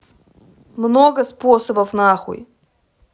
много способов нахуй